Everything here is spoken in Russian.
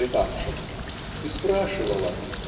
не летавшим) и спрашивала